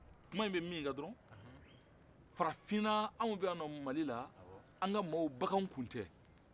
kuma in bɛ min kan dɔrɔn farafinna anw fɛ yan mali la an ka maaw baganw tun tɛ